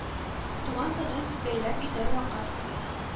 Туган көнен бәйрәм итәр вакыт